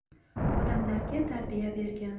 odamlarga tarbiya bergan